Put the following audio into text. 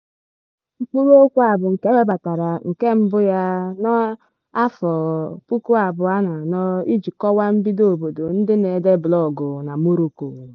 Mkpụrụ okwu a bụ nke e webatara nke mbụ ya na 2004 iji kọwaa mbido obodo ndị na-ede blọọgụ na Morocco.